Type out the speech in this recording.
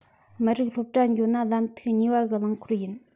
མི རིགས སློབ གྲྭ འགྱོ ན ལམ ཐིག གཉིས བ གི རླངས འཁོར ཡིན